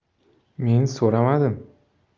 men so'ramadim